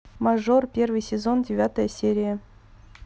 мажор первый сезон девятая серия